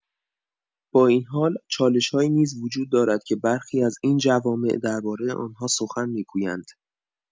با این حال، چالش‌هایی نیز وجود دارد که برخی از این جوامع درباره آنها سخن می‌گویند؛